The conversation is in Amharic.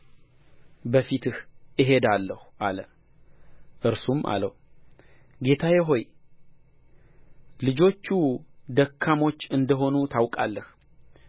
በፊትህ እሄዳለሁ አለ እርሱም አለው ጌታዬ ሆይ ልጆቹ ደካሞች እንደ ሆኑ ታውቃለህ